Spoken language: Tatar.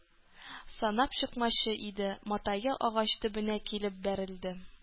Санап чыкмакчы иде, матае агач төбенә килеп бәрелде.